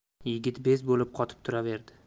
yigit bez bo'lib qotib turaverdi